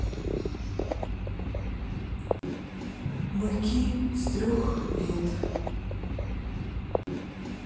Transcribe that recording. быки с трех лет